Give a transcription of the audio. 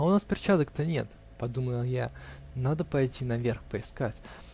а у нас перчаток-то нет, -- подумал я, -- надо пойти на верх -- поискать".